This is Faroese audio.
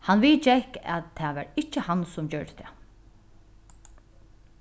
hann viðgekk at tað var ikki hann sum gjørdi tað